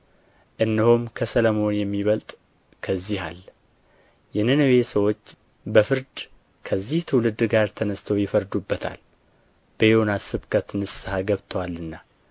እነሆም ከሰሎሞን የሚበልጥ ከዚህ አለ የነነዌ ሰዎች በፍርድ ከዚህ ትውልድ ጋር ተነሥተው ይፈርዱበታል በዮናስ ስብከት ንስሐ ገብተዋልና